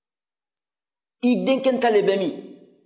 i denkɛ ntalen bɛ min